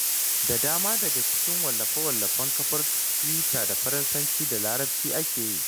Da dama daga cikin wallafe-wallafen kafar tiwita da Faransanci da Larabci ake yi.